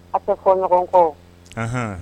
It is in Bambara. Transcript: A ko fɔ nɔgɔ kɔ h